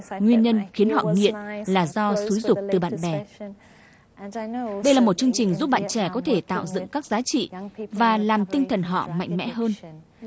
nguyên nhân khiến họ nghiện là do xúi giục từ bạn bè đây là một chương trình giúp bạn trẻ có thể tạo dựng các giá trị và làm tinh thần họ mạnh mẽ hơn